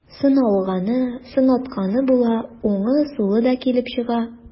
Сыналганы, сынатканы була, уңы, сулы да килеп чыга.